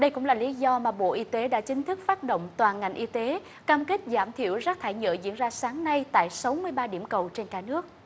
đây cũng là lý do mà bộ y tế đã chính thức phát động toàn ngành y tế cam kết giảm thiểu rác thải nhựa diễn ra sáng nay tại sáu mươi ba điểm cầu trên cả nước